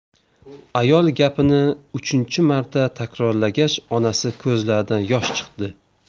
ayol gapini uchinchi marta takrorlagach onasi ko'zlaridan yosh chiqdi